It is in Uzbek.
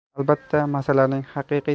albatta masalaning axloqiy